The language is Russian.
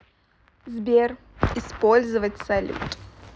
сбер использовать салют